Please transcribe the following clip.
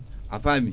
a faami